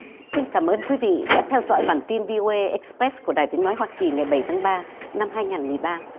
xin cảm ơn quý vị đã theo dõi bản tin vi ô ây ích pét của đài tiếng nói hoa kỳ ngày bảy tháng ba năm hai ngàn mười ba